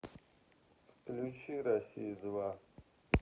включить россия два